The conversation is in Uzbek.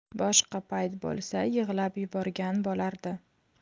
boshqa payt bo'lsa yig'lab yuborgan bo'lardi